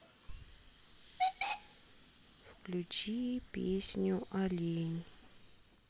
включи песню олень